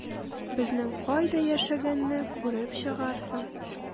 Безнең кайда яшәгәнне күреп чыгарсың...